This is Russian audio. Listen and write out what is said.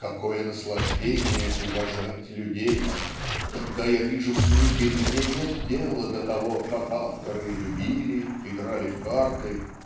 "Какое наслаждение уважать людей! Когда я вижу книги мне нет дела до того как авторы любили играли в карты